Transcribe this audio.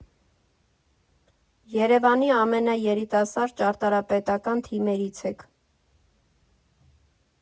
Երևանի ամենաերիտասարդ ճարտարապետական թիմերից եք։